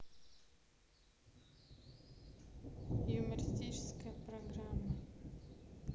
юмористическая программа